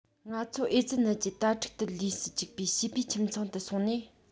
ང ཚོ ཨེ ཙི ནད ཀྱིས དྭ ཕྲུག ཏུ ལུས སུ བཅུག པའི བྱིས པའི ཁྱིམ ཚང དུ སོང ནས